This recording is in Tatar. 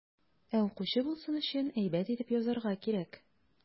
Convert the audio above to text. Ә укучы булсын өчен, әйбәт итеп язарга кирәк.